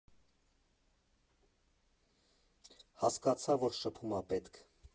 Հասկացա, որ շփում ա պետք։